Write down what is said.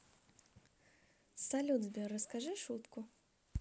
салют сбер расскажи шутку